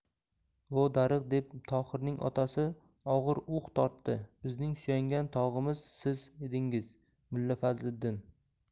vo darig' deb tohirning otasi og'ir ux tortdi bizning suyangan tog'imiz siz edingiz mulla fazliddin